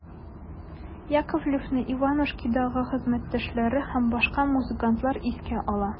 Яковлевны «Иванушки»дагы хезмәттәшләре һәм башка музыкантлар искә ала.